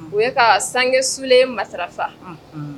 U ye ka sanke sulen matarafa.